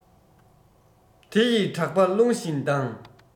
དེ ཡི གྲགས པ རླུང བཞིན ལྡང